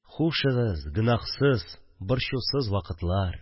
Хушыгыз, гөнаһсыз, борчусыз вакытлар